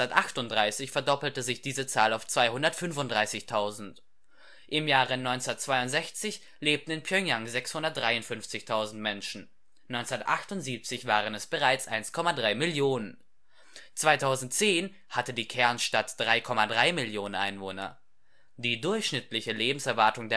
1938 verdoppelte sich diese Zahl auf 235.000. Im Jahre 1962 lebten in Pjöngjang 653.000 Menschen, 1978 waren es bereits 1,3 Millionen. 2010 hatte die Kernstadt 3,3 Millionen Einwohner. Die durchschnittliche Lebenserwartung